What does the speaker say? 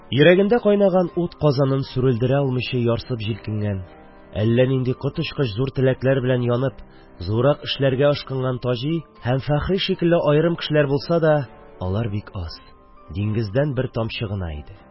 Йөрәгендә кайнаган ут казанын сүрелдерә алмыйча ярсып җилкенгән, әллә нинди зур-зур теләкләр белән янып, зуррак эшләргә ашкынган Таҗи һәм Фәхри шикелле аерым кешеләр булса да, алар бик аз, диңгездән бер тамчы гына иде.